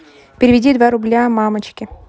переведи два рубля мамочке